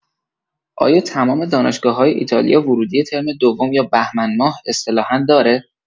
آیا تمام دانشگاه‌‌های ایتالیا، ورودی ترم دوم یا بهمن‌ماه اصطلاحا داره؟!